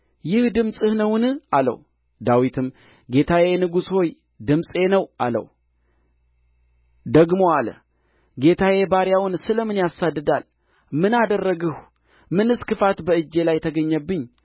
ይህ ድምፅህ ነውን አለው ዳዊትም ጌታዬ ንጉሥ ሆይ ድምፄ ነው አለው ደግሞ አለ ጌታዬ ባሪያውን ስለ ምን ያሳድዳል ምን አደረግሁ ምንስ ክፋት በእጄ ላይ ተገኘብኝ